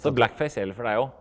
så blackface gjelder for deg òg.